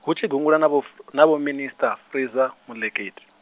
hu tshi gungula na vho f- na Vhominista, Fraser-Moleketi.